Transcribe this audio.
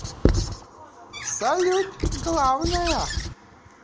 салют главная